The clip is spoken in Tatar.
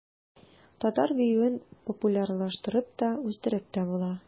Татар биюен популярлаштырып та, үстереп тә була.